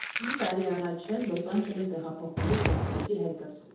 Մի տարի առաջ էլ Լոս Անջելես տեղափոխվելիս վերցրեցի հետս։